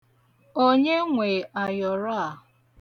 Onye nwe ayọrọ a?